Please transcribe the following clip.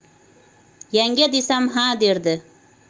yanga desam xa derdi